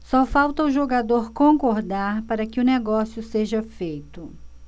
só falta o jogador concordar para que o negócio seja feito